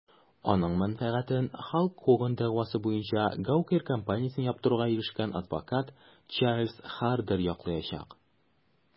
Аның мәнфәгатен Халк Хоган дәгъвасы буенча Gawker компаниясен яптыруга ирешкән адвокат Чарльз Хардер яклаячак.